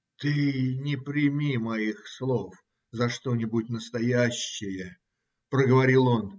- Ты не прими моих слов за что-нибудь настоящее, - проговорил он.